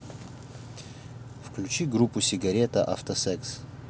включи группу сигарета авто секс